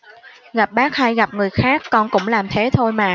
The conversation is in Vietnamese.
gặp bác hay gặp người khác con cũng làm thế thôi mà